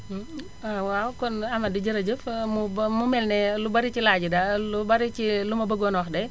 waaw kon amady jërëjëf mu ba mu mel ne lu bari ci laay yi daal lu bari ci li ma bëggoon a wax de